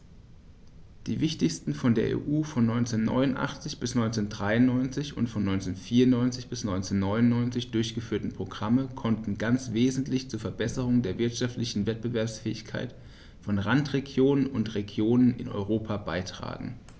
Die wichtigsten von der EU von 1989 bis 1993 und von 1994 bis 1999 durchgeführten Programme konnten ganz wesentlich zur Verbesserung der wirtschaftlichen Wettbewerbsfähigkeit von Randregionen und Regionen in Europa beitragen.